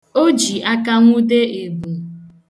O ji aka nwude ebu.